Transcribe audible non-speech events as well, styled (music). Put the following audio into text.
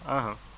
(hesitation) (hesitation)